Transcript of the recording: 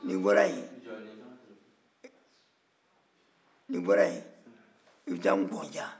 n'i bɔra yen i bɛ taa ŋɔja